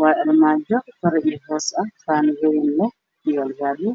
Waa armaajo cadays ah kor iyo hoos albaabo